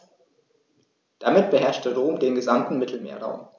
Damit beherrschte Rom den gesamten Mittelmeerraum.